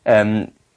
Yym.